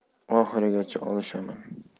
oxirigacha olishaman